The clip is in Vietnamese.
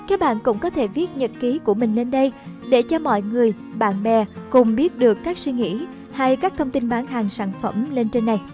các bạn cũng có thể viết nhật ký của mình lên đây để cho mọi người bạn bè cùng biết được các suy nghĩ hay các thông tin bán hàng sản phẩm lên trên này